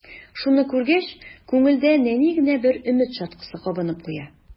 Шуны күргәч, күңелдә нәни генә бер өмет чаткысы кабынып куя.